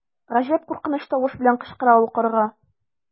Гаҗәп куркыныч тавыш белән кычкыра ул карга.